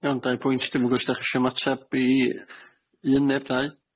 Iawn, dau bwynt. Dwi'm yn gwbo os dach chi isio ymateb i un neu'r ddau?